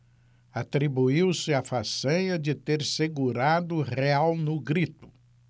atribuiu-se a façanha de ter segurado o real no grito